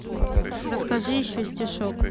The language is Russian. расскажи еще стишок